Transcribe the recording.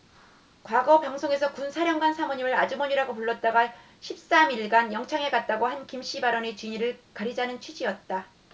과거 방송에서 군사령관 사모님을 아주머니라고 불렀다가 십 삼 일 간 영창에 갔다고 한 김씨 발언의 진위를 가리자는 취지였다